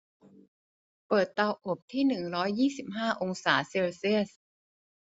เปิดเตาอบที่หนึ่งร้อยยี่สิบห้าองศาเซลเซียส